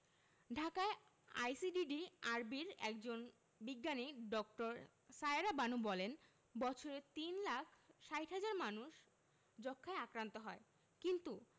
ঢাকায় আইসিডিডিআরবির একজন বিজ্ঞানী ড. সায়েরা বানু বলেন বছরে তিন লাখ ৬০ হাজার মানুষ যক্ষ্মায় আক্রান্ত হয় কিন্তু